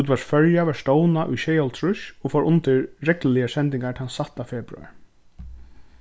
útvarp føroya varð stovnað í sjeyoghálvtrýss og fór undir regluligar sendingar tann sætta februar